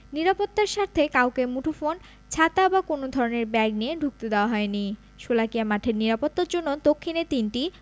নিরাপত্তার স্বার্থে কাউকে মুঠোফোন ছাতা বা কোনো ধরনের ব্যাগ নিয়ে ঢুকতে দেওয়া হয়নি শোলাকিয়া মাঠের নিরাপত্তার জন্য দক্ষিণে তিনটি